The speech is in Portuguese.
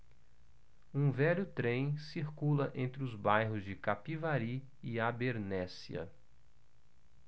um velho trem circula entre os bairros de capivari e abernéssia